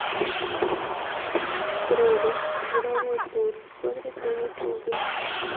тролли мировой тур смотреть на ютубе